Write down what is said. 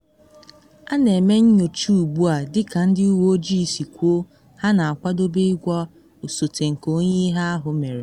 A na eme nnyocha ugbu a dị ka ndị uwe ojii si kwuo ha na akwadobe ịgwa osote nke onye ihe ahụ mere.